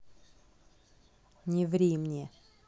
не ври мне